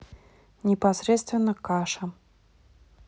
непосредственно каша